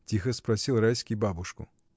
— тихо спросил Райский бабушку.